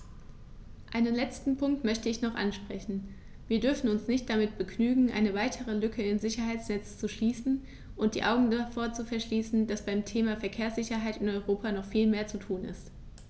Einen letzten Punkt möchte ich noch ansprechen: Wir dürfen uns nicht damit begnügen, eine weitere Lücke im Sicherheitsnetz zu schließen und die Augen davor zu verschließen, dass beim Thema Verkehrssicherheit in Europa noch viel mehr zu tun ist.